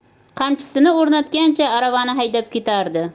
qamchisini o'ynatgancha aravani haydab ketardi